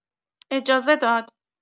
اجازه داد